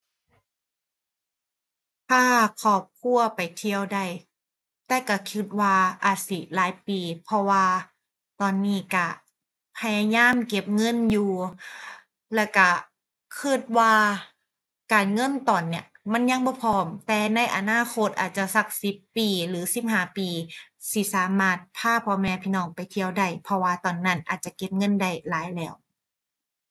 พาครอบครัวไปเที่ยวได้ แต่ก็ก็ว่าอาจสิหลายปี เพราะว่าตอนนี้ก็พยายามเก็บเงินอยู่ แล้วก็ก็ว่าการเงินตอนเนี้ยมันยังบ่พร้อม แต่ในอนาคตอาจจะสักสิบปีหรือสิบห้าปีสิสามารถพาพ่อแม่พี่น้องไปเที่ยวได้ เพราะว่าตอนนั้นอาจจะเก็บเงินได้หลายแล้ว